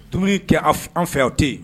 T kɛ an fɛw tɛ yen